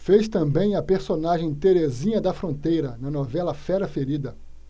fez também a personagem terezinha da fronteira na novela fera ferida